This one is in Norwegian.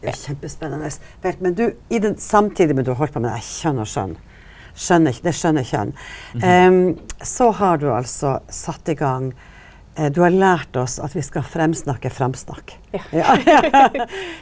det er kjempespennande felt, men du i den samtidig med at du har halde på med det her Kjønn og skjønn, skjønn det skjønne kjønn så har du altså sett i gang du har lært oss at vi skal framsnakka framsnakk ja .